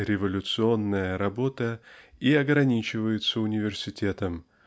"революционная") работа и ограничивается университетом